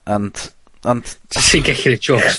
Ond, ond. gellu neud jôcs...